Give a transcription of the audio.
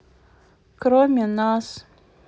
кроме нас